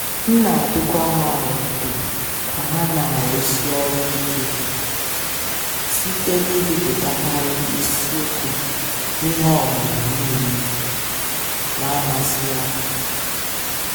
M na-adụkwa ha ọdụ ka ha na-arụsi ọrụ ike site n’ibipụtakarị isiokwu n’ihe ọmụmụ niile na-amasị ha.